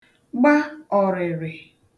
gba ọ̀rị̀rị̀